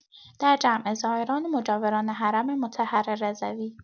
در جمع زائران و مجاوران حرم مطهر رضوی